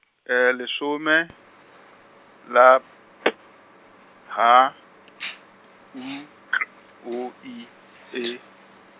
lesome , la P, H U K W I E.